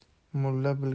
mulla bilganin o'qir